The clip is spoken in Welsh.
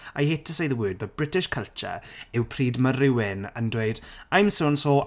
I hate to say the word but British culture yw pryd ma' rhywun yn dweud "I'm so and so...